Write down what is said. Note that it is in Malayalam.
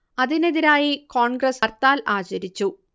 അതിനെതിരായി കോൺഗ്രസ് ഹർത്താൽ ആചരിച്ചു